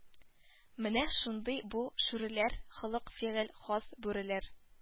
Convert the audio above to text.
Менә шундый бу шүреләр холык-фигыль хас бүреләр